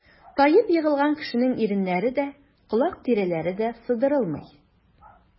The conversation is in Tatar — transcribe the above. Таеп егылган кешенең иреннәре дә, колак тирәләре дә сыдырылмый.